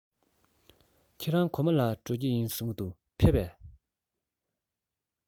ཁྱེད རང གོར མོ ལ འགྲོ རྒྱུ ཡིན གསུང པས ཕེབས སོང ངམ